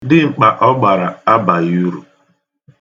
Dimkpa ọ gbara abaghị uru.